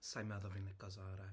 Sa i'n meddwl fi'n lico Zara.